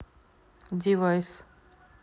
device